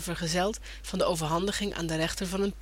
de overhandiging aan de rechter van